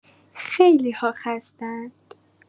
خیلی‌ها خسته‌اند!